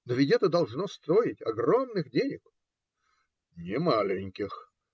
Но ведь это должно стоить огромных денег. - Немаленьких.